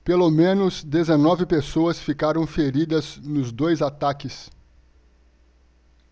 pelo menos dezenove pessoas ficaram feridas nos dois ataques